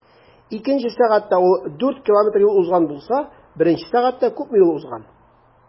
Икенче сәгатьтә ул 4 км юл узган булса, беренче сәгатьтә күпме юл узган?